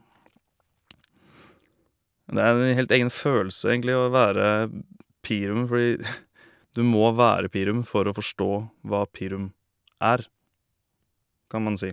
Og det er en helt egen følelse, egentlig, å være Pirum, fordi du må være Pirum for å forstå hva Pirum er, kan man si.